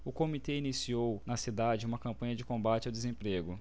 o comitê iniciou na cidade uma campanha de combate ao desemprego